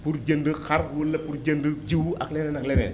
pour jënd xar wala pour jënd jiwu ak leneen ak leneen